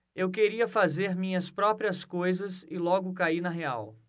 eu queria fazer minhas próprias coisas e logo caí na real